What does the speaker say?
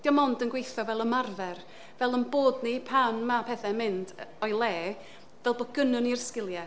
Dio mond yn gweithio fel ymarfer, fel ein bod ni pan ma' petha'n mynd yy o'i le, fel bod gennyn ni'r sgiliau.